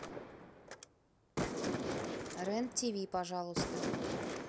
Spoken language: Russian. рен тв пожалуйста